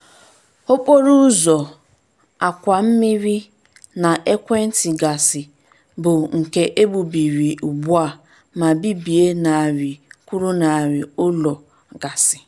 Okporo ụzọ, àkwà mmiri na ekwenti gasị bụ nke e gbubiri ugbu a ma bibie narị kwuru narị ụlọ gasị.